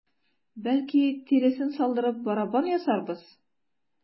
Бәлки, тиресен салдырып, барабан ясарбыз?